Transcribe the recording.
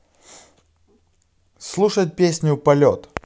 слушать песню полет